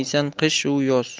yeysan qish u yoz